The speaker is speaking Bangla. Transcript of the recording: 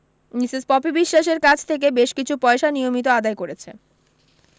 মিসেস পপি বিশ্বাসের কাছ থেকে বেশ কিছু পয়সা নিয়মিত আদায় করেছে